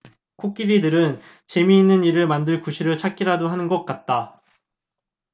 코끼리들은 재미있는 일을 만들 구실을 찾기라도 하는 것 같다